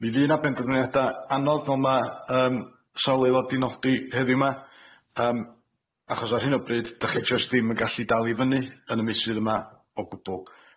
Mi fydd na benderfyniada anodd fel ma' yym sawl aelod di nodi heddiw ma yym achos ar hyn o bryd dych chi jyst ddim yn gallu dal i fyny yn y misydd yma o gwbwl.